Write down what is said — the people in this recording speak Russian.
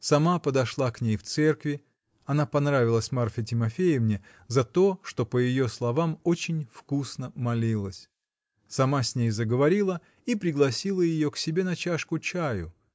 сама подошла к ней в церкви (она понравилась Марфе Тимофеевне за то, что, по ее словам, очень вкусно молилась), сама с ней заговорила и пригласила ее к себе на чашку чаю.